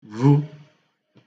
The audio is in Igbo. vu